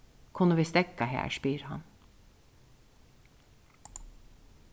kunnu vit steðga har spyr hann